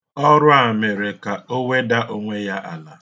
Oru a mere ka o weda onwe ya ala.